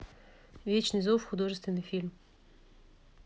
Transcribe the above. вечный зов художественный фильм